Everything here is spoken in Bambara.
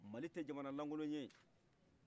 mali tɛ jamana lankoloye